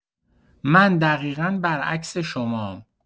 من دقیقا برعکس شمام